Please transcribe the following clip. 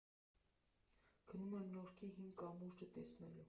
Գնում եմ Նորքի հին կամուրջը տեսնելու։